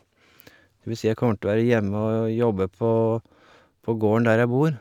Det vil si, jeg kommer til å være hjemme og jobbe på på gården der jeg bor.